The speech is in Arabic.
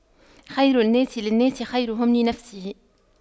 خير الناس للناس خيرهم لنفسه